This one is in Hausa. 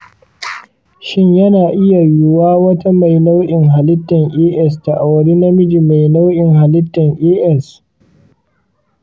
shin yana iya yuwa 'yata mai nau'in hallitan as ta auri namiji mai nau'in hallitan as?